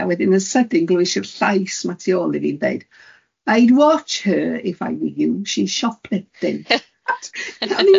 a wedyn yn sydyn glwish i'r llais 'ma tu ôl i fi'n deud, I'd watsh hyr iff I wyr iŵ, shi's shopliffting.